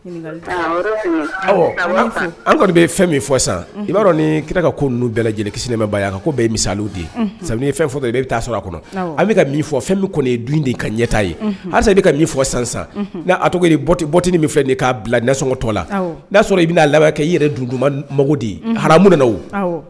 An kɔni fɛn min fɔ san i b'a dɔn kira bɛɛ lajɛlen kisi ba ko mi sabu fɛn bɛ sɔrɔ a kɔnɔ fɔ fɛn kɔni ka ɲɛ ye hali i ka fɔ san san n'at min fɛn bilasɔngɔtɔ la n'a sɔrɔ i'a laban kɛ i yɛrɛ dun duman mako de yemu o